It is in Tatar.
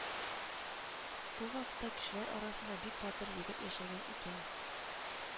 Бу вакытта кешеләр арасында бик батыр егет яшәгән икән